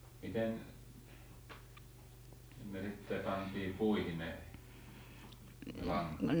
miten ne sitten pantiin puihin ne ne langat